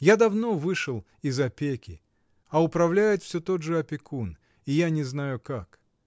Я давно вышел из опеки, а управляет всё тот же опекун — и я не знаю как.